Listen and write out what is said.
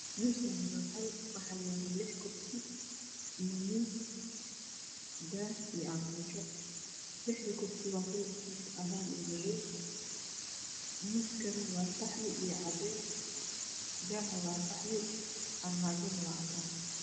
meshan waa qol waxa yalo lex kursi io miis daha io armaajo lexd kursi waa cadan io madow miskan waa qahwi io cadees dah waa qahwi armajadan waa cadan